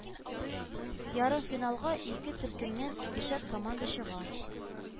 Ярымфиналга ике төркемнән икешәр команда чыга